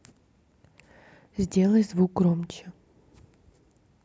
сделай звук громче